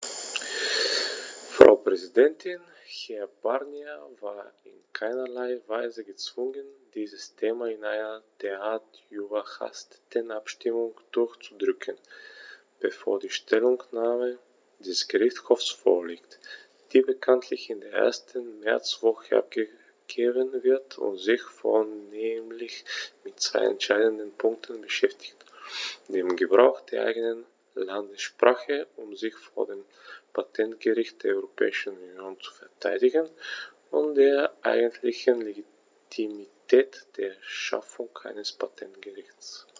Frau Präsidentin, Herr Barnier war in keinerlei Weise gezwungen, dieses Thema in einer derart überhasteten Abstimmung durchzudrücken, bevor die Stellungnahme des Gerichtshofs vorliegt, die bekanntlich in der ersten Märzwoche abgegeben wird und sich vornehmlich mit zwei entscheidenden Punkten beschäftigt: dem Gebrauch der eigenen Landessprache, um sich vor dem Patentgericht der Europäischen Union zu verteidigen, und der eigentlichen Legitimität der Schaffung eines Patentgerichts.